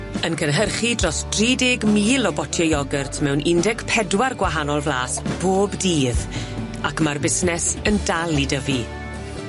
yn cynhyrchu dros dri deg mil o botiau iogyrt mewn un deg pedwar gwahanol flas bob dydd ac ma'r busnes yn dal i dyfu.